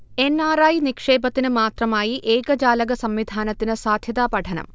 N. R. I നിക്ഷേപത്തിനു മാത്രമായി ഏകജാലക സംവിധാനത്തിനു സാധ്യതാ പഠനം